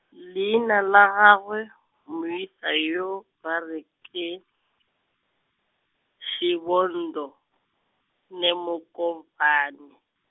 leina la gagwe, moisa yo, ba re ke , Shidondho, Nemukovhani.